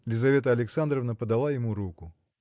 Лизавета Александровна подала ему руку.